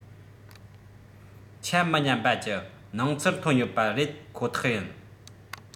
ཆ མི མཉམ པ ཀྱི སྣང ཚུལ ཐོན ཡོད པ རེད ཁོ ཐག ཡིན